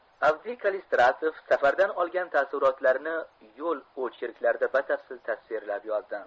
avdiy kallistratov safardan olgan taassurotlarini yo'l ocherklarida batafsil tasvirlab yozdi